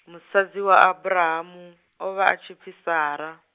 musadzi wa Aburahamu, o vha a tsh ipfi Sara.